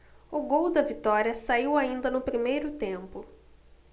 o gol da vitória saiu ainda no primeiro tempo